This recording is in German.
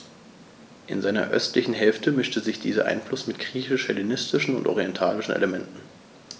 In seiner östlichen Hälfte mischte sich dieser Einfluss mit griechisch-hellenistischen und orientalischen Elementen.